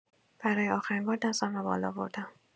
برای آخرین‌بار دستم را بالا بردم.